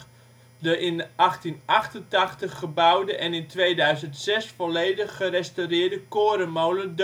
in 1888 gebouwde en in 2006 volledig gerestaureerde korenmolen